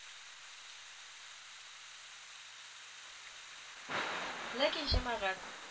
Ләкин, җәмәгать